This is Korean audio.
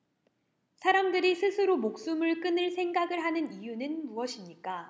사람들이 스스로 목숨을 끊을 생각을 하는 이유는 무엇입니까